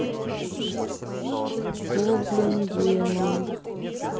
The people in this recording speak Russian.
гоблин демон